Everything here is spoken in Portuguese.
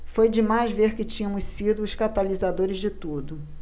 foi demais ver que tínhamos sido os catalisadores de tudo